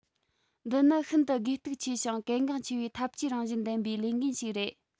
འདི ནི ཤིན ཏུ དགོས གཏུག ཆེ ཞིང གལ འགངས ཆེ བའི འཐབ ཇུས རང བཞིན ལྡན པའི ལས འགན ཞིག རེད